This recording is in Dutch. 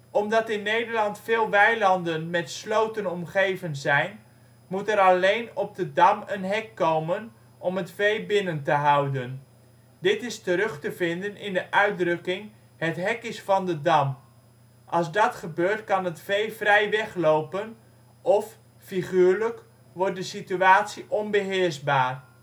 Omdat in Nederland veel weilanden met sloten omgeven zijn, moet er alleen op de dam een hek komen om het vee binnen te houden. Dit is terug te vinden in de uitdrukking " Het hek is van de dam ". Als dat gebeurt kan het vee vrij weglopen of (figuurlijk) wordt de situatie onbeheersbaar